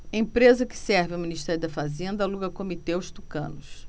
empresa que serve ao ministério da fazenda aluga comitê aos tucanos